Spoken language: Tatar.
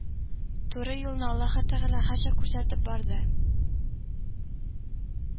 Туры юлны Аллаһы Тәгалә һәрчак күрсәтеп барды